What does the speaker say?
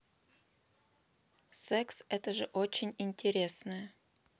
секс это же очень интересное